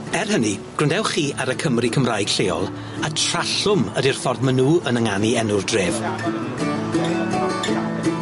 Er hynny, gwrandewch chi ar y Cymry Cymraeg lleol a Trallwm ydi'r ffordd ma' nw yn ynganu enw'r dref.